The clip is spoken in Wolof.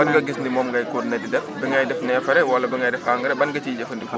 ban nga gis ne moom ngay continué di def bi ngay def neefere walla bi ngay def engrais ban nga ciy jafandikoo